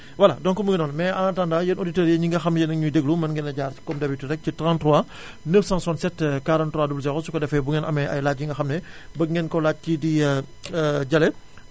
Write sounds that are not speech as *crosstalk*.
voilà donc moo ngi noonu mais en attendant yéen auditeurs yi ñi nga xam ne yéen a ngi ñuy déglu mën ngeen a jaar comme d' habitude rekk ci 33 967 43 00 su ko defee bu ngeen amee ay laaj yu nga xam ne *inhales* bëgg ngeen ko laaj kii di *hesitation* Jalle